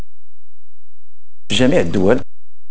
جميع الدول